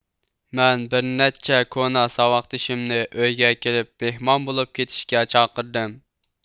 مەن بىرنەچچە كونا ساۋاقدىشىمنى ئۆيگە كېلىپ مېھمان بولۇپ كېتىشكە چاقىردىم